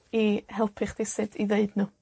i helpu chdi sut i ddweud nw.